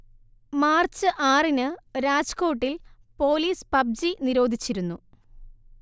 March ആറിന് രാജ്കോട്ടിൽ police PUBG നിരോധിച്ചിരുന്നു